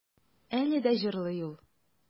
Әле дә җырлый ул.